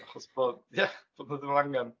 Achos bod... ia bod nhw ddim angen!